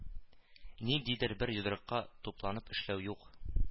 Ниндидер бер йодрыкка тупланып эшләү юк